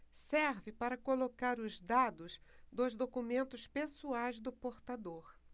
serve para colocar os dados dos documentos pessoais do portador